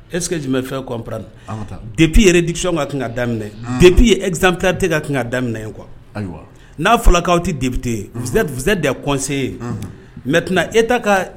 Est-ce que je me fait comprendre? An ka taa. Depuis yen réduction kan ka ka daminɛ depuis yen exemplarité kan ka daminɛ yen quoi . Ayiwa! N'a fɔra kaw tɛ député ye. Unhun. Vous êtes vous êtes des conseillers, maintenant Etat ka